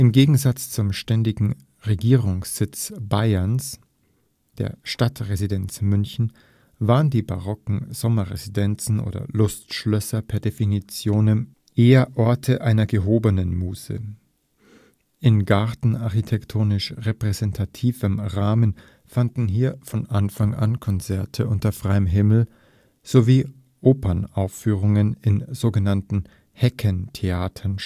Gegensatz zum ständigen Regierungssitz Bayerns, der Stadtresidenz München, waren die barocken Sommerresidenzen oder „ Lustschlösser “per definitionem eher Orte einer gehobenen Muße. In (garten -) architektonisch repräsentativem Rahmen fanden hier von Anfang an Konzerte unter freiem Himmel statt sowie Opernaufführungen in sogenannten Heckentheatern